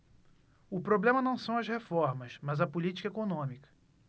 o problema não são as reformas mas a política econômica